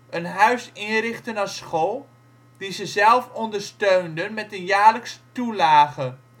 een huis inrichten als school, die ze zelf ondersteunden met een jaarlijkse toelage